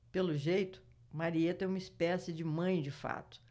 pelo jeito marieta é uma espécie de mãe de fato